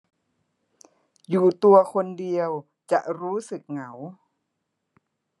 อยู่ตัวคนเดียวจะรู้สึกเหงา